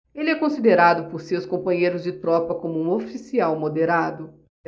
ele é considerado por seus companheiros de tropa como um oficial moderado